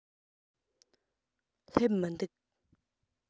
སླེབས མི འདུག